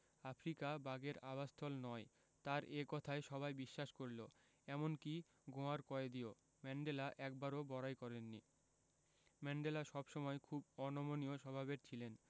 Africa বাঘের আবাসস্থল নয় তাঁর এ কথায় সবাই বিশ্বাস করল এমনকি গোঁয়ার কয়েদিও ম্যান্ডেলা একবারও বড়াই করেননি ম্যান্ডেলা সব সময় খুব অনমনীয় স্বভাবের ছিলেন